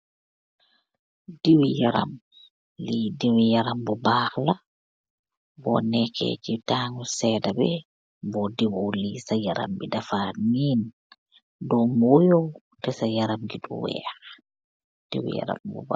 Duwi yaram, li duwi yaram bu bah la, bo nekeh chi timu seda bi, bo diwo li sa yarambi defa neem. Do mboyo, teh sa yarambi du weakh. Duwi yaram bu bah.